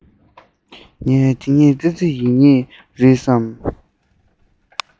ངས དེ གཉིས ཙི ཙི ཡིན ངེས རེད བསམ